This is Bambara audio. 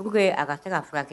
Pour que a ka se ka furakɛ.